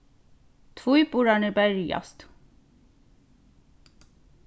tvíburarnir berjast